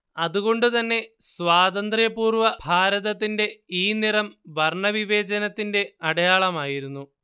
അതുകൊണ്ടുതന്നെ സ്വാന്ത്രപൂർവ്വ ഭാരതത്തിന്റെ ഈ നിറം വർണ്ണവിവേചനത്തിന്റെ അടയാളമായിരുന്നു